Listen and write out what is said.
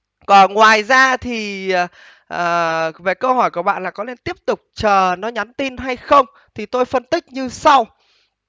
và ngoài ra thì à về câu hỏi của bạn là có nên tiếp tục chờ nó nhắn tin hay không thì tôi phân tích như sau